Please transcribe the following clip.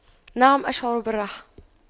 نعم أشعر بالراحة